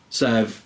Sef...